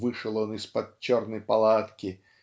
вышел он из-под черной палатки